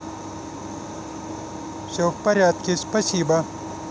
все в порядке спасибо